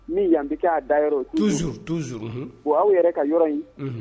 Min yanan bɛ' da yɔrɔ tuz tuz o awaw yɛrɛ ka yɔrɔ ye